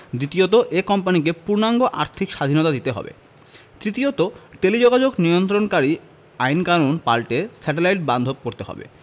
দ্বিতীয়ত এই কোম্পানিকে পূর্ণাঙ্গ আর্থিক স্বাধীনতা দিতে হবে তৃতীয়ত টেলিযোগাযোগ নিয়ন্ত্রণকারী আইনকানুন পাল্টে স্যাটেলাইট বান্ধব করতে হবে